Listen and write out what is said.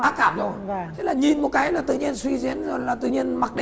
ác cảm rồi thế là nhìn một cái là tự nhiên suy diễn là tự nhiên mặc